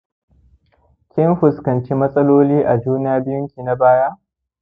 kin fuskanci matsaloli a juna biyun ki na baya